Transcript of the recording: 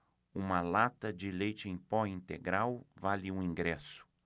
uma lata de leite em pó integral vale um ingresso